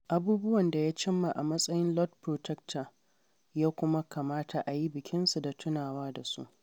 Abubuwan da ya cimma a matsayin Lord Protector ya kuma kamata a yi bikinsu da tunawa da su.”